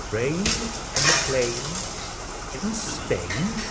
Rain, on the plane, in Spain?